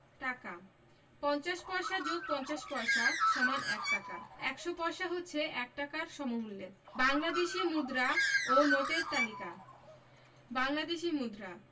টাকাঃ ৫০ পয়সা + ৫০ পয়স = ১ টাকা ১০০ পয়সা হচ্ছে ১ টাকার সমমূল্যের বাংলাদেশি মুদ্রা ও নোটের তালিকাঃ বাংলাদেশি মুদ্রাঃ